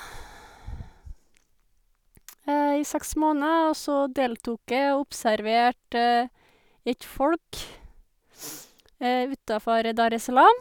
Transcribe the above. I seks måneder, og så deltok jeg og observerte et folk utafor Dar es Salaam.